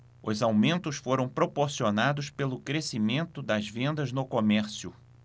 os aumentos foram proporcionados pelo crescimento das vendas no comércio